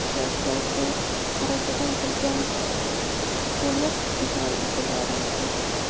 shu yerda ishlovchi qorachadan kelgan bo'liq juvon etiborini tortdi